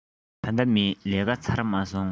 ད ལྟ མིན ལས ཀ ཚར མ སོང